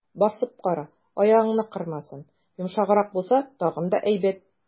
Басып кара, аягыңны кырмасын, йомшаграк булса, тагын да әйбәт.